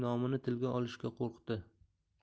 nomini tilga olishga qo'rqdi